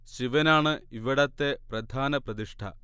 ശിവൻ ആണ് ഇവിടത്തെ പ്രധാന പ്രതിഷ്ഠ